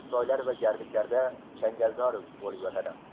soylar va jarliklarda changalzor bo'lib yotadi